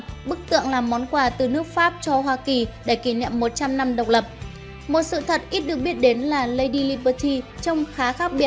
bức tượng là một món quà từ nước pháp cho hoa kỳ để kỷ niệm năm độc lập một sự thật ít được biết đến là lady liberty trông khá khác biệt